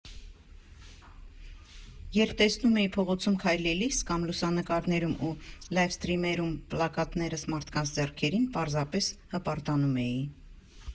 Երբ տեսնում էի փողոցում քայլելիս, կամ լուսանկարներում ու լայվսթրիմերում պլակատներս մարդկանց ձեռքերին, պարզապես հպարտանում էի։